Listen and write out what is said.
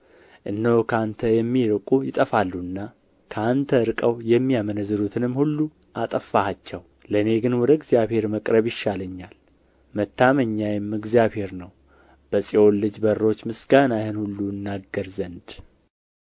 እነሆ ከአንተ የሚርቁ ይጠፋሉና ከአንተ ርቀው የሚያመነዝሩትንም ሁሉ አጠፋኻቸው ለእኔ ግን ወደ እግዚአብሔር መቅረብ ይሻለኛል መታመኛዬም እግዚአብሔር ነው በጽዮን ልጅ በሮች ምስጋናህን ሁሉ እናገር ዘንድ